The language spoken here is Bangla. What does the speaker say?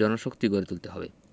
জনশক্তি গড়ে তুলতে হবে